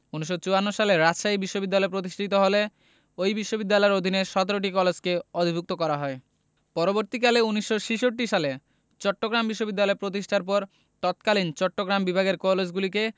১৯৫৪ সালে রাজশাহী বিশ্ববিদ্যালয় প্রতিষ্ঠিত হলে ওই বিশ্ববিদ্যালয়ের অধীনে ১৭টি কলেজকে অধিভুক্ত করা হয় পরবর্তীকালে ১৯৬৬ সালে চট্টগ্রাম বিশ্ববিদ্যালয় প্রতিষ্ঠার পর তৎকালীন চট্টগ্রাম বিভাগের কলেজগুলিকে